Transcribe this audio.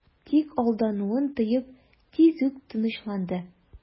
Тик алдануын тоеп, тиз үк тынычланды...